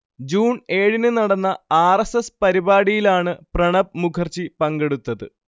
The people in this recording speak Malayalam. ജൂൺ ഏഴിന് നടന്ന ആർ. എസ്. എസ് പരിപാടിയിലാണ് പ്രണബ് മുഖർജി പങ്കെടുത്തത്